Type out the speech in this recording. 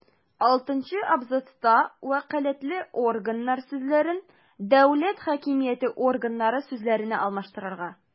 Алтынчы абзацта «вәкаләтле органнар» сүзләрен «дәүләт хакимияте органнары» сүзләренә алмаштырырга;